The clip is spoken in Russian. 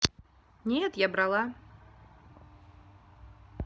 нет я брала